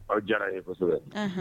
Aw diyara ye kosɛbɛ